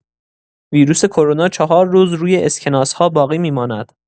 ویروس کرونا ۴ روز روی اسکناس‌ها باقی می‌ماند!